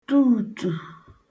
tuùtù